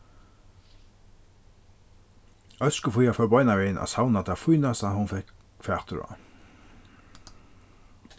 øskufía fór beinanvegin at savna tað fínasta hon fekk fatur á